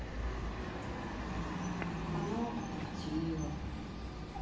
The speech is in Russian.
канал детективов